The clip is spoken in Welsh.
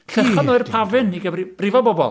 lluchio nhw i'r pafin i brifo bobl!